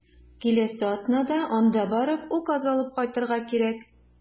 Киләсе атнада анда барып, указ алып кайтырга кирәк.